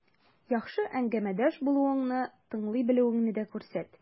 Яхшы әңгәмәдәш булуыңны, тыңлый белүеңне дә күрсәт.